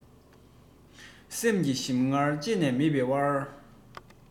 ཟས ཀྱི ཞིམ མངར ལྕེ ནས མིད པའི བར